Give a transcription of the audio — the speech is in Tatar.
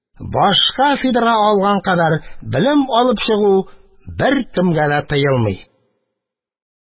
Башка сыйдыра алган кадәр белем алып чыгу беркемгә дә тыелмый...